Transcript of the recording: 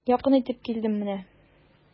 Якын итеп килдем менә.